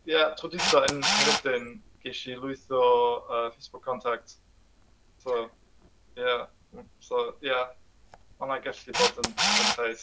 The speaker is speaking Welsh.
Ia tro dwytha yn Caeredin, ges i lwyth o yy Facebook contacts so ia so ia ma' hwnna'n gallu bod yn fantais.